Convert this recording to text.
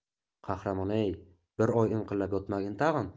qahramoney bir oy inqillab yotmagin tag'in